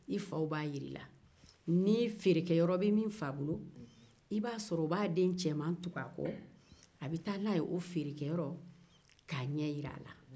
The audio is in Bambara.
i faw b'a jira i la ni feerekɛyɔrɔ bɛ min fa bolo i b'a sɔrɔ o b'a den cɛman tugun a kɔ a bɛ taa n'a ye o feerekɛyɔrɔ k'a ɲɛ jira a la